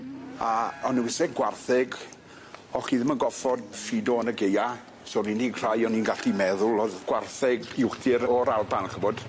a o' nw isie gwartheg o' chi ddim yn goffod ffido yn y Gaea so'r unig rhai o'n i'n gallu meddwl o'dd gwartheg uwchdir o'r Alban ch'bod?